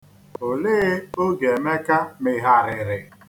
Olee oge Emeka mịgharịrị?